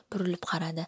burilib qaradi